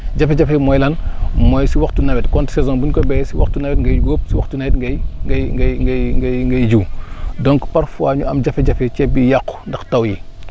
jafe-jafe bi mooy lan mooy si waxtu nawet contre saison buñ ko béyee si waxtu nawet ngay góob si waxtu nawet ngay ngay ngay ngay ngay jiw donc parfois ñu am jafe-jafe ceeb bi yàqu ndax taw yi